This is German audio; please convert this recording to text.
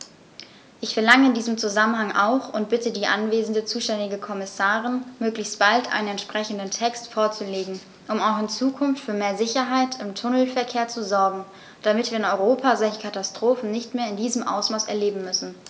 Ich verlange in diesem Zusammenhang auch und bitte die anwesende zuständige Kommissarin, möglichst bald einen entsprechenden Text vorzulegen, um auch in Zukunft für mehr Sicherheit im Tunnelverkehr zu sorgen, damit wir in Europa solche Katastrophen nicht mehr in diesem Ausmaß erleben müssen!